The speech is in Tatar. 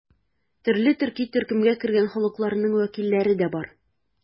Төрле төрки төркемгә кергән халыкларның вәкилләре дә бар.